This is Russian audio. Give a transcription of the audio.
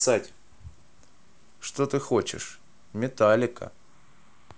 что ты хочешь metallica